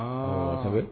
Ɔ